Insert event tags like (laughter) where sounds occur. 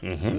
(hesitation) (hesitation)